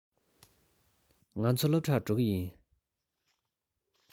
ང ཚོ སློབ གྲྭར འགྲོ གི ཡིན